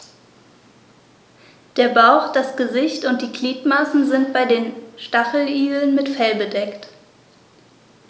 Der Bauch, das Gesicht und die Gliedmaßen sind bei den Stacheligeln mit Fell bedeckt.